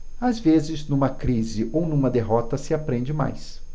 às vezes numa crise ou numa derrota se aprende mais